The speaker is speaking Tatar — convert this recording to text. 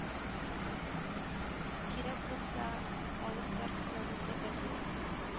Кирәк булса алып тарт син аны бригадир